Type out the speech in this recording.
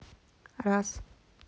раз